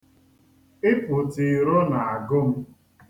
Ịpụta iro na-agụ m.